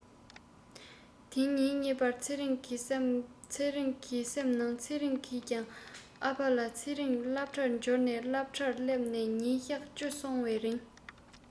དེའི ཉིན གཉིས པར ཚེ རིང བསམ ཚེ རིང གི སེམས ནང ཚེ རིང གིས ཀྱང ཨ ཕ ལ ཚེ རིང སློབ གྲྭར འབྱོར ནས སློབ གྲྭར སླེབས ནས ཉིན གཞག བཅུ སོང བའི རིང